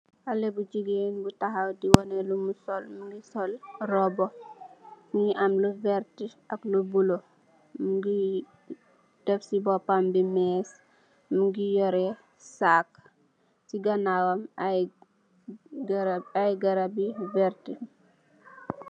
Haleh bu gigain bu takhaw dii wohneh lumu sol, mungy sol rohbah, mungy am lu vert ak lu bleu, mungy deff cii bopam bii meeeche, mungy yoreh sac, cii ganawam aiiy garab aiiy garab yu vert.